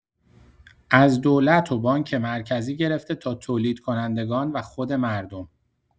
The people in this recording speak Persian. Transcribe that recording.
از دولت و بانک مرکزی گرفته تا تولیدکنندگان و خود مردم.